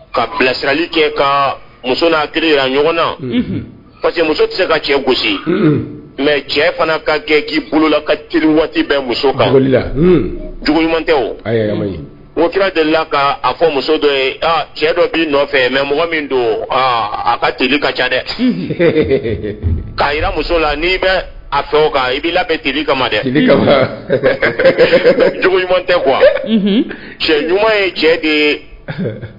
Ka bilasirali kɛ ka muso na ki ɲɔgɔn na parce que muso tɛ se ka cɛ gosi mɛ cɛ fana ka gɛn k'i bolola ka jiri waati bɛ muso ka j ɲuman tɛ o kira deli ka fɔ muso dɔ ye cɛ dɔ b'i nɔfɛ mɛ mɔgɔ min don a ka t ka ca dɛ k'a yi muso la n' bɛ a fɛ o kan i b' labɛn t kama ma dɛ jugu ɲuman tɛ cɛ ɲuman ye cɛ de ye